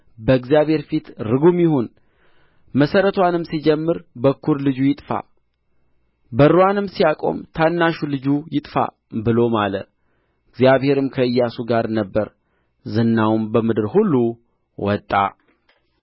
በእግዚአብሔር ፊት ርጉም ይሁን መሠረትዋን ሲጀምር በኵር ልጁ ይጥፋ በርዋንም ሲያቆም ታናሹ ልጁ ይጥፋ ብሎ ማለ እግዚአብሔርም ከኢያሱ ጋር ነበረ ዝናውም በምድር ሁሉ ላይ ወጣ